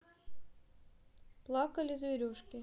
плакали зверюшки